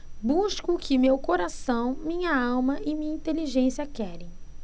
busco o que meu coração minha alma e minha inteligência querem